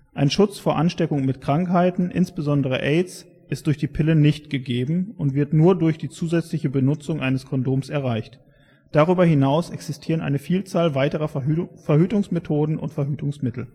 Ein Schutz vor Ansteckung mit Krankheiten, insbesondere AIDS, ist durch die Pille nicht gegeben und wird nur durch die zusätzliche Benutzung eines Kondoms erreicht. Darüber hinaus existieren eine Vielzahl weiterer Verhütungsmethoden und Verhütungsmittel